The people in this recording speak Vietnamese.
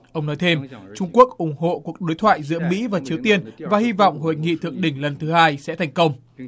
ông nói thêm trung quốc ủng hộ cuộc đối thoại giữa mỹ và triều tiên và hy vọng hội nghị thượng đỉnh lần thứ hai sẽ thành công